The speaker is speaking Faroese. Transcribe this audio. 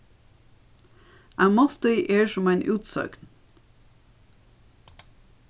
ein máltíð er sum ein útsøgn